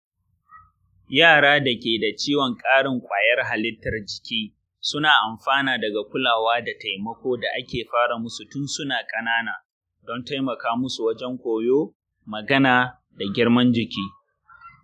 yaran da ke da ciwon ƙarin kwayar halittar jiki suna amfana daga kulawa da taimako da ake fara musu tun suna ƙanana don taimaka musu wajen koyo, magana, da girman jiki.